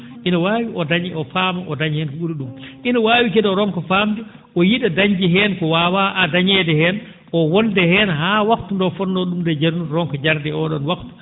ina waawi o daña o faama o daña heen ko ?uri ?um ina waawi kadi o ronka faamde o yi?a dañde heen ko o waawaa dañeede heen o wonda heen haa waktu nde o fotnoo ?um nde jarnude o ronka jarde e oo ?oon waktu